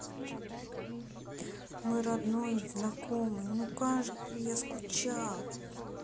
мой родной знакомый ну ка же я скучал